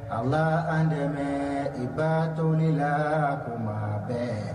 A la an dɛmɛ i ba dɔɔninni lakuma ma bɛɛ